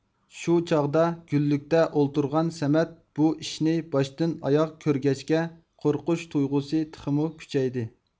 شۇ چاغدا گۈللۈكتە ئولتۇرغان سەمەت بۇ ئىشنى باشتىن ئاياغ كۆرگەچكە قورقۇش تۇيغۇسى تېخىمۇ كۈچەيدى